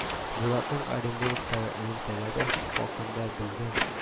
Булатның Оренбургтагы элемтәләре хакында белгән